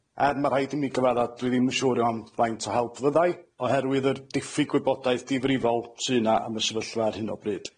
Er ma' rhaid i mi gyfadda', dwi ddim yn siŵr iawn faint o help fydda i, oherwydd yr diffyg gwybodaeth difrifol sy' 'na am y sefyllfa ar hyn o bryd.